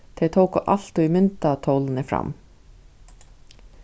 tey tóku altíð myndatólini fram